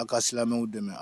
A ka silamɛw dɛmɛ